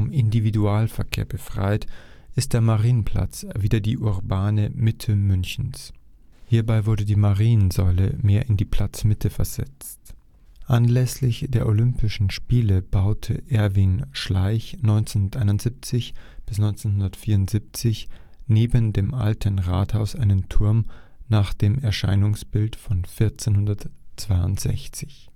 Individualverkehr befreit, ist der Marienplatz wieder die urbane Mitte Münchens. Hierbei wurde die Mariensäule mehr in die Platzmitte versetzt. Anlässlich der Olympischen Spiele baute Erwin Schleich 1971 bis 1974 neben dem Alten Rathaus einen Turm nach dem Erscheinungsbild von 1462